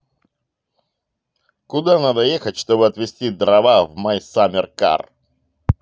куда надо ехать чтобы отвести дрова в my summer car